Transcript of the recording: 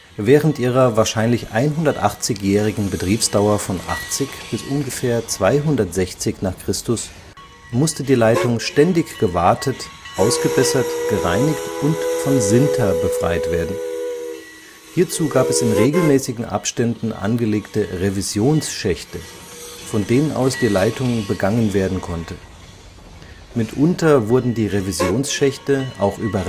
Während ihrer wahrscheinlich 180-jährigen Betriebsdauer von 80 bis ungefähr 260 nach Christus musste die Leitung ständig gewartet, ausgebessert, gereinigt und von Sinter befreit werden. Hierzu gab es in regelmäßigen Abständen angelegte Revisionsschächte, von denen aus die Leitung begangen werden konnte. Mitunter wurden die Revisionsschächte auch über